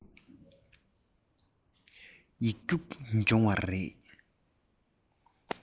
ཡིག རྒྱུགས སྦྱོང བ རེད